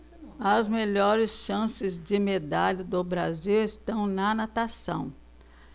as melhores chances de medalha do brasil estão na natação